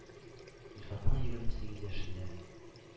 Илфатның егерме сигез яшендә